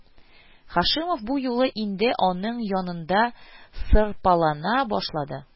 Һашимов бу юлы инде аның янында сырпалана башлады